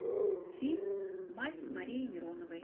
фильм мать с марией мироновой